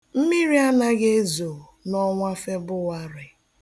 Mmiri anaghị ezo n'ọnwa Febụwarị.